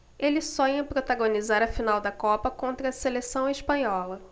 ele sonha protagonizar a final da copa contra a seleção espanhola